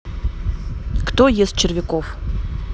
кто ест червяков